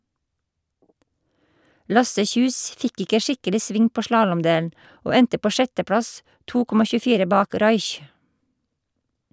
Lasse Kjus fikk ikke skikkelig sving på slalåmdelen, og endte på sjetteplass, 2,24 bak Raich.